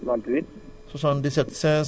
568